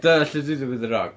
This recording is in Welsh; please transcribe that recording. Dyna lle dwi 'di mynd yn wrong.